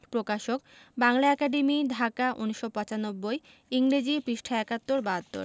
প্রকাশকঃ বাংলা একাডেমী ঢাকা ১৯৯৫ ইংরেজি পৃঃ ৭১ ৭২